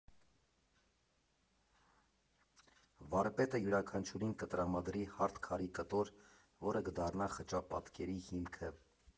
Վարպետը յուրաքանչյուրին կտրամադրի հարթ քարի կտոր, որը կդառնա խճապատկերի հիմքը։